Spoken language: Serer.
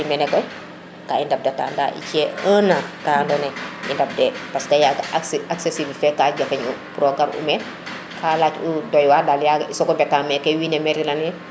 mene koy ka i ndaɓ data nda i ci e 1 ans ka ando naye i ndaɓ de parce yaga accessiblité fe ka jafe u pour o garmeen ka yaac u doywaar dal yaga i soogu mbta meke wine meri ran